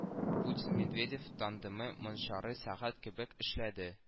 Путин Медведев тандемы моңчары сәгать кебек эшләде